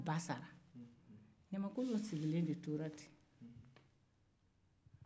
ɲamankolon sigilen de tora ten